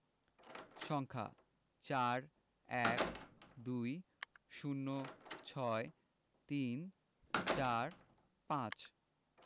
সংখ্যাঃ ৪ ১২ ০৬ ৩৪৫